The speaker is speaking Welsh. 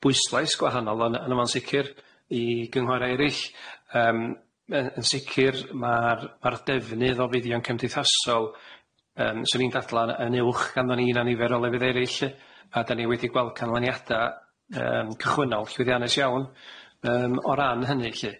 bwyslais gwahanol arno fo'n sicir i gynghora erill yym yy yn sicir ma'r ma'r defnydd o fuddion cymdeithasol yym s'wn i'n dadla'n yn uwch ganddon ni na nifer o lefydd erill a 'dan ni wedi gweld canlyniada yym cychwynnol llwyddiannus iawn yym o ran hynny lly.